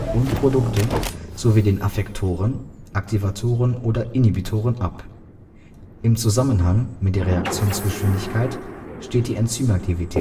und Produkte sowie von Effektoren (Aktivatoren oder Inhibitoren) ab. Im Zusammenhang mit der Reaktionsgeschwindigkeit steht die Enzymaktivität